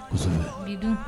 Muso de dun